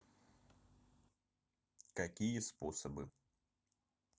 какие способы